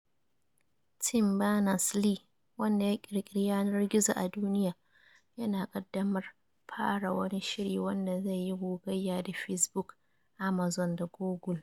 Tim Berners-Lee, wanda ya Ƙirƙiri Yanar Gizo a duniya, yana ƙaddamar fara wani shiri wanda zai yi gogayya da Facebook, Amazon da Google.